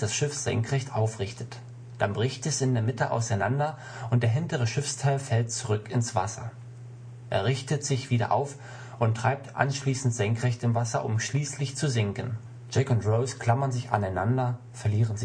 Schiff senkrecht aufrichtet. Dann bricht es in der Mitte auseinander, und der hintere Schiffsteil fällt zurück ins Wasser. Er richtet sich wieder auf und treibt anschließend senkrecht im Wasser, um schließlich zu sinken. Jack und Rose klammern sich aneinander, verlieren